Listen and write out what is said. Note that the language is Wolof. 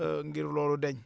ngir loolu dañ